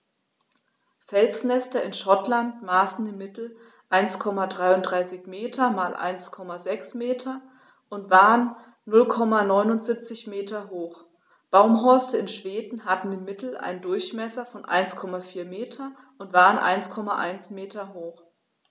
Felsnester in Schottland maßen im Mittel 1,33 m x 1,06 m und waren 0,79 m hoch, Baumhorste in Schweden hatten im Mittel einen Durchmesser von 1,4 m und waren 1,1 m hoch.